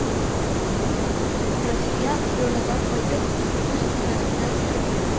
Разия, бюродан кайтып, үз бүлмәсенә керде